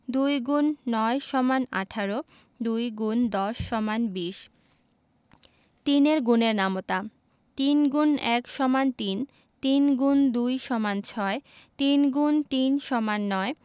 ২ X ৯ = ১৮ ২ ×১০ = ২০ ৩ এর গুণের নামতা ৩ X ১ = ৩ ৩ X ২ = ৬ ৩ × ৩ = ৯